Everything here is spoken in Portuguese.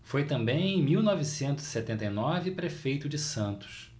foi também em mil novecentos e setenta e nove prefeito de santos